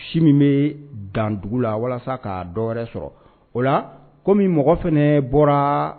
Si min bɛ dan dugu la walasa ka sɔrɔ o la kɔmi mɔgɔ fana bɔra